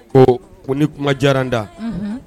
Ɔ ko ni kuma diyararanda